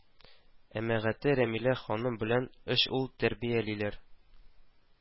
Әмәгате рәмилә ханым белән өч ул тәрбиялиләр